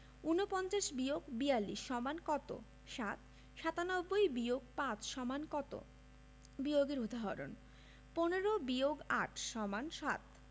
৪৯-৪২ = কত ৭ ৯৭-৫ = কত বিয়োগের উদাহরণঃ ১৫ – ৮ = ৭